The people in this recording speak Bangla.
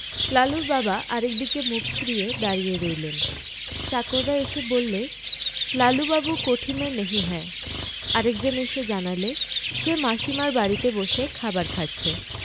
লালুর বাবা আর একদিকে মুখ ফিরিয়ে দাঁড়িয়ে রইলেন চাকররা এসে বললে লালুবাবু কোঠি মে নহি হ্যায় আর একজন এসে জানালে সে মাসীমার বাড়িতে বসে খাবার খাচ্ছে